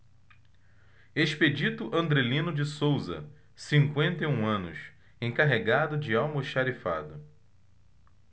expedito andrelino de souza cinquenta e um anos encarregado de almoxarifado